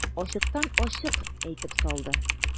Ачыктан-ачык әйтеп салды.